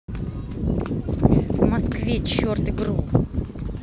в москве черт игру